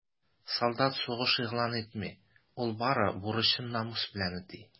Солдат сугыш игълан итми, ул бары бурычын намус белән үти.